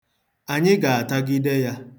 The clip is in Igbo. Anyị ga-atagide ya.